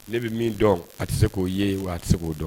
Ne bɛ min dɔn a tɛ se k'o ye wa a tɛ k'o dɔn